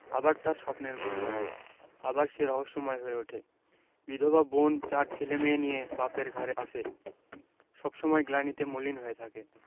আবার তার স্বপ্নের ঘোর লাগে আবার সে রহস্যময় হয়ে উঠে বিধবা বোন চার ছেলেমেয়ে নিয়ে বাপের ঘাড়ে আছে সব সময় গ্লানিতে মলিন হয়ে থাকে